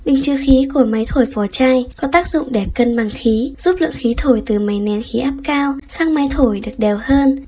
bình chứa khí của máy thổi vỏ chai có tác dụng để cân bằng khí giúp lượng khí thổi từ máy nén khí áp cao sang máy thổi được đều hơn